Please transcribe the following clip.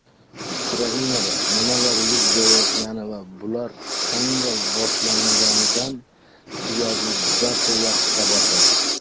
ukrainada nimalar yuz berayotgani va bular qanday boshlanganidan deyarli barcha yaxshi xabardor